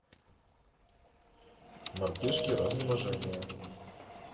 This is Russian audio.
мартышки размножение